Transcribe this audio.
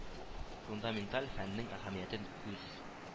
Фундаменталь фәннең әһәмиятен күз